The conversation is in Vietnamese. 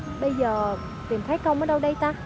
bây giờ tìm tế công ở đâu đây ta